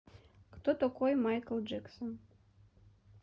кто такой michael jackson